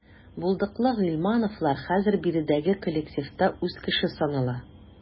Булдыклы гыйльмановлар хәзер биредәге коллективта үз кеше санала.